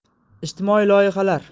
ijtimoiy loyihalar